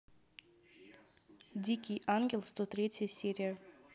дикий ангел сто третья серия